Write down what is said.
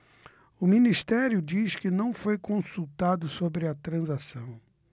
o ministério diz que não foi consultado sobre a transação